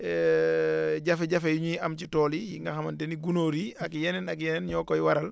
jafe-jafe yi ñuy am ci tool yi yi nga xamante ni gunóor yi ak yeneen ak yeneen ñoo koy waral